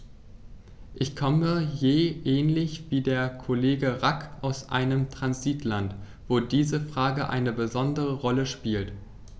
Ich komme ja ähnlich wie der Kollege Rack aus einem Transitland, wo diese Frage eine besondere Rolle spielt.